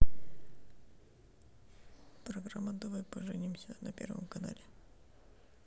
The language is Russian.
программа давай поженимся на первом канале